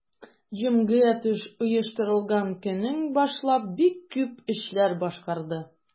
Җәмгыять оештырылган көннән башлап бик күп эшләр башкарды.